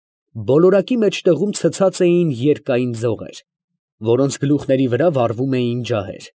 Բոլորակի մեջտեղում ցցած էին երկայն ձողեր, որոնց գլուխների վրա վառվում էին ջահեր։